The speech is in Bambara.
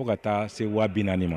Fo ka taa se wa bi naani ma